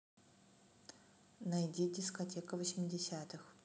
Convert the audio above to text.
найди дискотека восьмидесятых